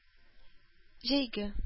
Җәйге